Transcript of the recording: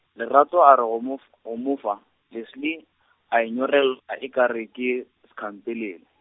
Lerato a re go mof-, o mo fa, Leslie, a nyorel- a e kgare ke, sekhampelele.